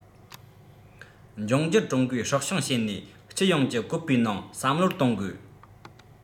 འབྱུང འགྱུར ཀྲུང གོའི སྲོག ཤིང བྱེད ནས སྤྱི ཡོངས ཀྱི བཀོད པའི ནང བསམ བློ གཏོང དགོས